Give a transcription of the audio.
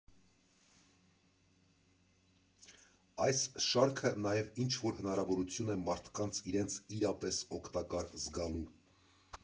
Այս շարքը նաև ինչ֊որ հնարավորություն է մարդկանց իրենց իրապես օգտակար զգալու։